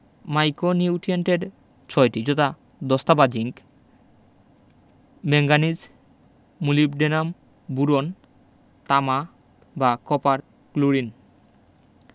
মাইকোনিউটিয়েন্টএট ৬ টি যথা দস্তা বা zinc Zn manganese Mn molybdenum Mo boron B তামা বা কপার Cu এবং ক্লোরিন Cl